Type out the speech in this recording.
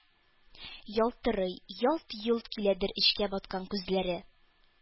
Ялтырый, ялт-йолт киләдер эчкә баткан күзләре,